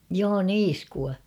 joo niiskua